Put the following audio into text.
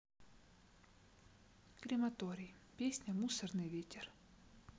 крематорий песня мусорный ветер